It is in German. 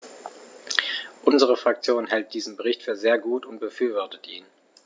Unsere Fraktion hält diesen Bericht für sehr gut und befürwortet ihn.